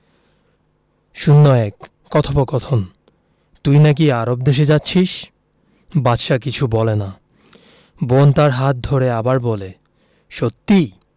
শীতের সকাল শীতের সকাল নানা শরিফাকে নিয়ে রোদ পোহাচ্ছেন হাতে খবরের কাগজ শরিফা বই পড়ছে শরিফা